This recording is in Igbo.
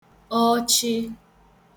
ọchị